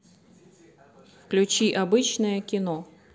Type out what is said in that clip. включи обычное кино